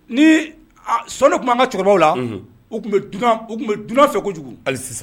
Ni sɔnni tun an ka cɛkɔrɔba la u tun tun bɛ dunan fɛ kojugu hali sisan